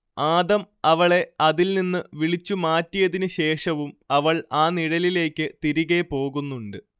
ആദം അവളെ അതിൽ നിന്ന് വിളിച്ചു മാറ്റിയതിന് ശേഷവും അവൾ ആ നിഴലിലേയ്ക്ക് തിരികേ പോകുന്നുണ്ട്